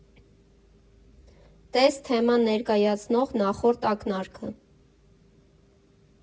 Տես թեման ներկայացնող նախորդ ակնարկը։